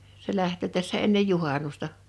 se lähtee tässä ennen juhannusta